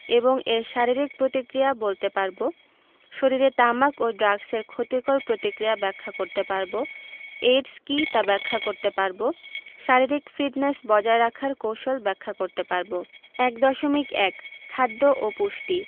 এবং এর শারীরিক প্রতিক্রিয়া বলতে পারব শরীরে তামাক ও ড্রাগসের ক্ষতিকর প্রতিক্রিয়া ব্যাখ্যা করতে পারব এইডস কী ব্যাখ্যা করতে পারব শারীরিক ফিটনেস বজায় রাখার কৌশল ব্যাখ্যা করতে পারব ১.১ খাদ্য ও পুষ্টি